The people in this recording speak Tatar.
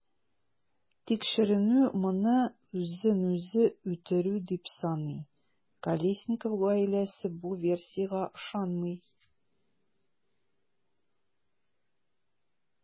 Тикшеренү моны үзен-үзе үтерү дип саный, Колесников гаиләсе бу версиягә ышанмый.